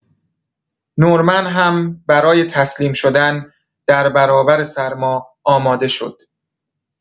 نورمن هم برای تسلیم‌شدن در برابر سرما آماده شد.